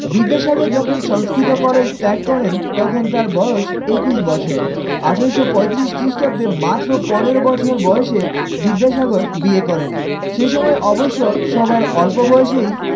বিদ্যাসাগর যখন সংস্কৃত কলেজ ত্যাগ করেন তখন তার বয়স ২১ বছর ১৮৩৫ খ্রিস্টাব্দে মাত্র ১৫ বছর বয়সে বিদ্যাসাগর বিয়ে করেন সে সময় অবশ্য সবার অল্প বয়সেই